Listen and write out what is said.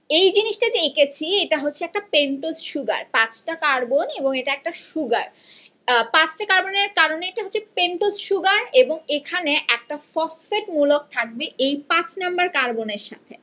এই জিনিসটা যে এঁকেছি এটা হচ্ছে একটা পেন্টোজ সুগার ৫ টা কার্বন এবং এটা একটা সুগার ৫ টা কার্বনের কারনে এটা হচ্ছে পেন্টোজ সুগার এবং এখানে একটা ফসফেট মূলক থাকবে এই ৫ নম্বর কার্বনের সাথে